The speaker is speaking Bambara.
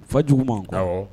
Fa jugu man